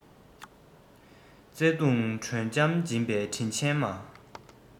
བརྩེ དུང དྲོད འཇམ སྦྱིན པའི དྲིན ཅན མ